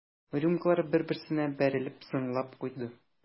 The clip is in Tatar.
Рюмкалар бер-берсенә бәрелеп зыңлап куйды.